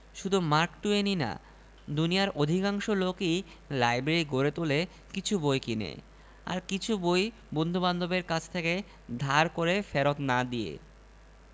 শুধু মার্ক টুয়েনই না দুনিয়ার অধিকাংশ লোকই লাইব্রেরি গড়ে তোলে কিছু বই কিনে আর কিছু বই বন্ধুবান্ধবের কাছ থেকে ধার করে ফেরত্ না দিয়ে